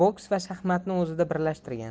boks va shaxmatni o'zida birlashtirgan